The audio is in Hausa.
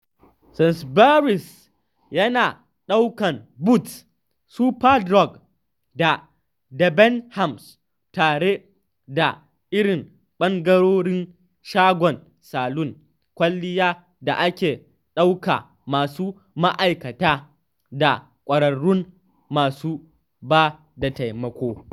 Sainsbury’s yana ɗaukan Boots, Superdrug da Debenhams tare da irin ɓangarorin shagon salon kwalliya da aka ɗauka masa ma’aikata da ƙwararrun masu ba da taimako.